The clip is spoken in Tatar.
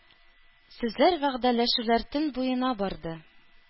Сүзләр, вәгъдәләшүләр төн буена барды.